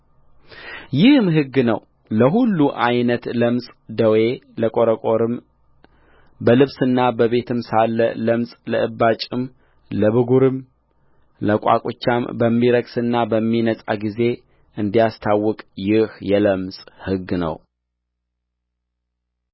ይህም ሕግ ነው ለሁሉ ዓይነት ለምጽ ደዌለቈረቈርም በልብስና በቤትም ላለ ለምጽለእባጭም ለብጕርም ለቋቁቻምበሚረክስና በሚነጻ ጊዜ እንዲያስታውቅ ይህ የለምጽ ሕግ ነው